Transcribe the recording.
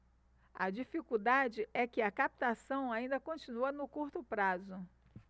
a dificuldade é que a captação ainda continua no curto prazo